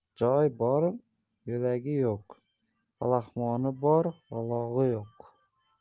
joyi bor yo'lagi yo'q palaxmoni bor g'o'lagi yo'q